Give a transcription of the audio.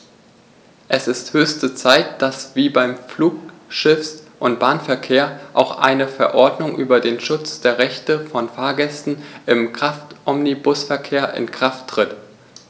Es ist höchste Zeit, dass wie beim Flug-, Schiffs- und Bahnverkehr auch eine Verordnung über den Schutz der Rechte von Fahrgästen im Kraftomnibusverkehr in Kraft tritt.